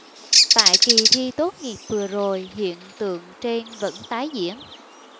tại kỳ thi tốt nghiệp vừa rồi hiện tượng trên vẫn tái diễn